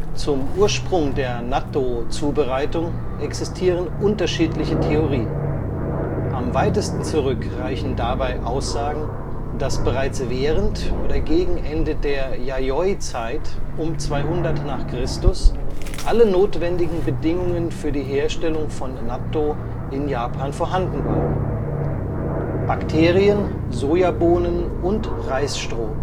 Zum Ursprung der Nattō-Zubereitung existieren unterschiedliche Theorien. Am weitesten zurück reichen dabei Aussagen, dass bereits während oder gegen Ende der Yayoi-Zeit um 200 n. Chr. alle notwendigen Bedingungen für die Herstellung von Nattō in Japan vorhanden waren: Bakterien, Sojabohnen und Reisstroh